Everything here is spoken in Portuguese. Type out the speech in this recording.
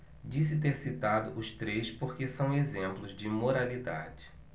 disse ter citado os três porque são exemplos de moralidade